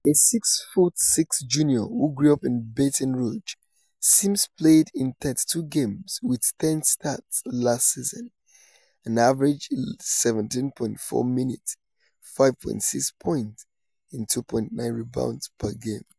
A 6-foot-6 junior who grew up in Baton Rouge, Sims played in 32 games with 10 starts last season and averaged 17.4 minutes, 5.6 points and 2.9 rebounds per game.